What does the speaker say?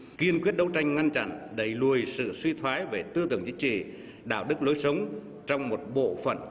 kiên quyết đấu tranh ngăn chặn đẩy lùi sự suy thoái về tư tưởng chính trị đạo đức lối sống trong một bộ phận